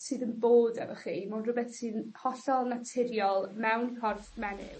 sydd yn bod efo chi ma'n rwbeth sydd 'n hollol naturiol mewn corff menyw.